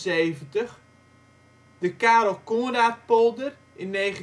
1878), de Carel Coenraadpolder (1924